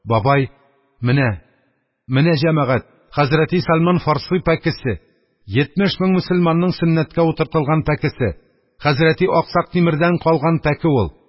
Бабай: – Менә, менә җәмәгать, хәзрәти Сәлман Фарси пәкесе!.. Йитмеш мең мөселманның сөннәткә утыртылган пәкесе!.. Хәзрәти Аксак Тимердән калган пәке ул!.